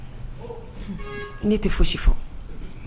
Ne tɛ fosi fɔ